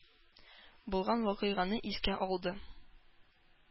Булган вакыйганы искә алды.